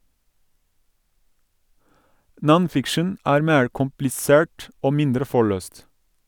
"Non-Fiction" er mer komplisert og mindre forløst.